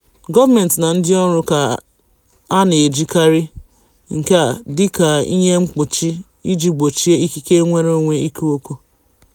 Gọọmentị na ndịọrụ ha na-ejikarị nke a dịka ihe mkpuchi iji gbochie ikike nnwereonwe ikwu okwu.